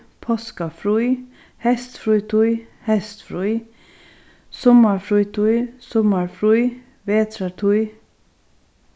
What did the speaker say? páskafrí heystfrítíð heystfrí summarfrítíð summarfrí vetrartíð